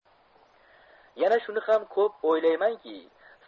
yana shuni ham ko'p o'ylaymanki